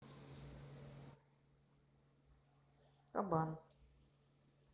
кабан